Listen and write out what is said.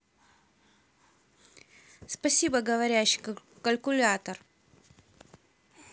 спасибо говорящий калькулятор